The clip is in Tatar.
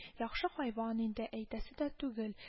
Яхшы хайван инде, әйтәсе дә түгел